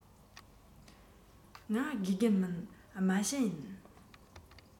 ང དགེ རྒན མིན མ བྱན ཡིན